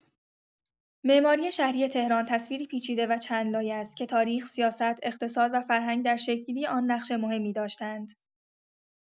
معماری شهری تهران تصویری پیچیده و چندلایه است که تاریخ، سیاست، اقتصاد و فرهنگ در شکل‌گیری آن نقش مهمی داشته‌اند.